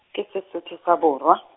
ke Sesotho sa Borwa.